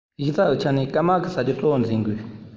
གཞི རྩའི ཆ ནས སྐམ དམག གིས བྱ རྒྱུ གཙོ བོར འཛིན དགོས